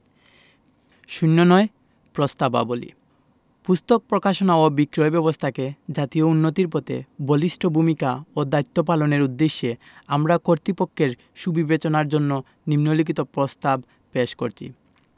০৯ প্রস্তাবাবলী পুস্তক প্রকাশনা ও বিক্রয় ব্যাবস্থাকে জাতীয় উন্নতির পথে বলিষ্ঠ ভূমিকা ও দায়িত্ব পালনের উদ্দেশ্যে আমরা কর্তৃপক্ষের সুবিবেচনার জন্য নিন্ম লিখিত প্রস্তাব পেশ করছি